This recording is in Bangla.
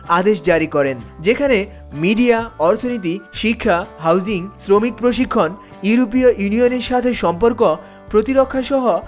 আদেশ জারি করেন যেখানে মিডিয়া অর্থনীতি শিক্ষা হাউসিং শ্রমিক প্রশিক্ষণ ইউরোপীয় ইউনিয়নের সাথে সম্পর্ক প্রতিরক্ষা সহ